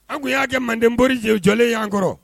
An y'a kɛ mandebri jɛ jɔlen yan kɔrɔ